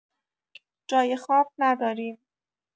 جای خواب نداریم